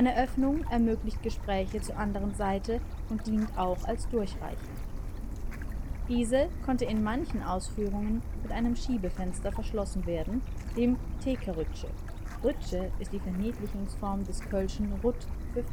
Öffnung ermöglicht Gespräche zur anderen Seite und dient auch als Durchreiche. Diese konnte in manchen Ausführungen mit einem Schiebefenster verschlossen werden, dem Thekerüttsche (Rüttsche, Verniedlichung des kölschen Rutt für „ Fensterscheibe